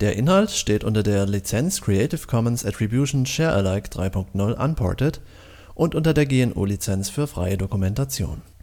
Der Inhalt steht unter der Lizenz Creative Commons Attribution Share Alike 3 Punkt 0 Unported und unter der GNU Lizenz für freie Dokumentation